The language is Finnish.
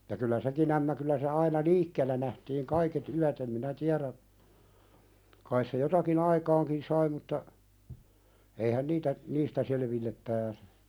mutta kyllä sekin ämmä kyllä se aina liikkeellä nähtiin kaiket yöt en minä tiedä kai se jotakin aikaankin sai mutta eihän niitä niistä selville pääse